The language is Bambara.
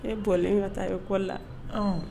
E bɔlen ka taa e kɔ la